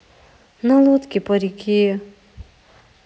на лодке по реке